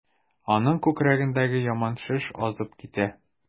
Аның күкрәгендәге яман шеш азып китә.